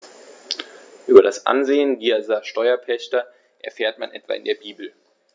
Über das Ansehen dieser Steuerpächter erfährt man etwa in der Bibel.